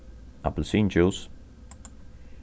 appilsindjús